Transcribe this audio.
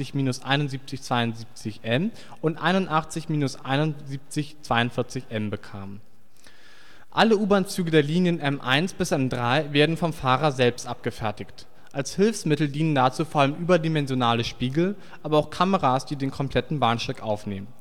81-7172M und 81-7142M bekamen. Alle U-Bahnzüge der Linien M1 bis M3 werden vom Fahrer selbst abgefertigt. Als Hilfsmittel dienen dazu vor allem überdimensionale Spiegel, aber auch Kameras, die den kompletten Bahnsteig aufnehmen